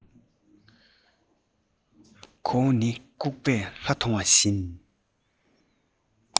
ཁོ བོ ནི ལྐུགས པས ལྷ མཐོང བ བཞིན